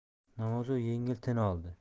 namozov yengil tin oldi